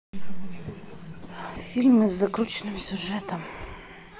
фильмы с закрученным сюжетом